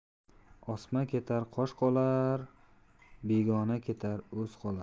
o'sma ketar qosh qolar begona ketar o'z qolar